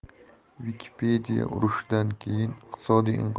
wikipedia urushdan keyingi iqtisodiy